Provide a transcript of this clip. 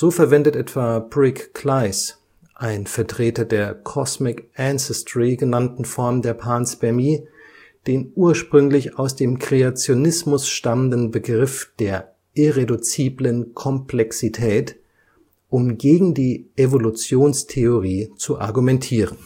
verwendet etwa Brig Klyce, ein Vertreter der „ Cosmic Ancestry “genannten Form der Panspermie, den ursprünglich aus dem Kreationismus stammenden Begriff der „ irreduziblen Komplexität “, um gegen die Evolutionstheorie zu argumentieren